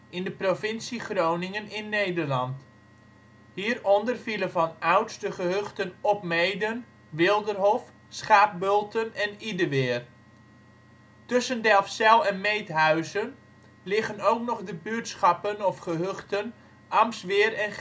in de provincie Groningen in Nederland. Hieronder vielen vanouds de gehuchten Opmeeden, Wilderhof, Schaapbulten en Ideweer. Tussen Delfzijl en Meedhuizen liggen ook nog de buurtschappen/gehuchten Amsweer en